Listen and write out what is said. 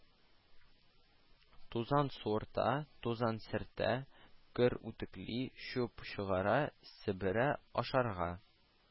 Тузан суырта, тузан сөртə, кер үтүкли, чүп чыгара, себерə, ашарга